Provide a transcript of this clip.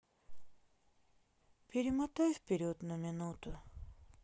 перемотай вперед на минуту